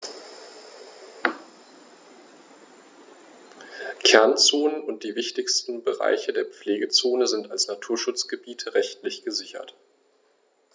Kernzonen und die wichtigsten Bereiche der Pflegezone sind als Naturschutzgebiete rechtlich gesichert.